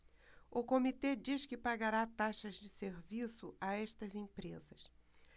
o comitê diz que pagará taxas de serviço a estas empresas